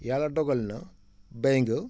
yàlla dogal na béy nga